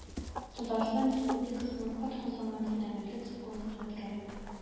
«татарстан республикасының атказанган сәламәтлек саклау хезмәткәре»